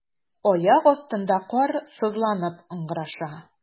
Аяк астында кар сызланып ыңгыраша.